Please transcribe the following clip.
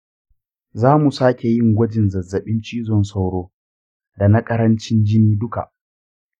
zamu sake yin gwajin zazzabin cizon sauro da na ƙarancin jini duka.